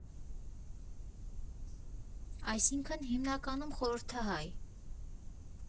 Այսինքն՝ հիմնականում խորհրդահայ։